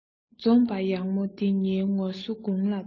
འཛོམས པ ཡག མོ འདིའི ངོ སོ དགུང ལ བསྟོད